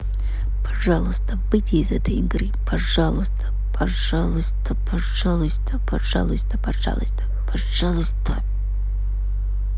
пожалуйста выйди из этой игры пожалуйста пожалуйста пожалуйста пожалуйста пожалуйста пожалуйста